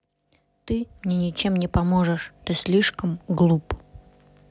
ты мне ничем не поможешь ты слишком глуп